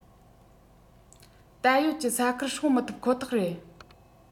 ད ཡོད ཀྱི ས ཁུལ སྲུང མི ཐུབ ཁོ ཐག རེད